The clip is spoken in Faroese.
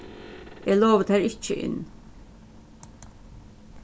eg lovi tær ikki inn